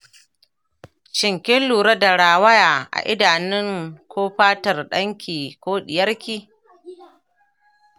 shin kin lura da rawaya a idanun ko fatar ɗanki/ɗiyarki